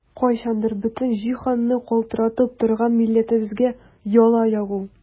Кайчандыр бөтен җиһанны калтыратып торган милләтебезгә яла ягу!